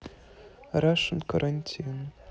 рашен карантин